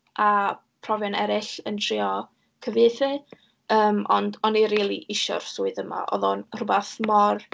A profion eraill yn trio cyfieithu. Yym, ond o'n i rili isio'r swydd yma. Oedd o'n rhywbeth mor...